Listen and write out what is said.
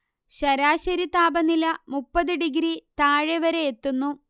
ശരാശരി താപനില മുപ്പത്ത് ഡിഗ്രി താഴെ വരെയെത്തുന്നു